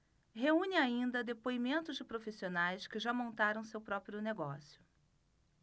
reúne ainda depoimentos de profissionais que já montaram seu próprio negócio